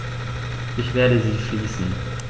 Ich werde sie schließen.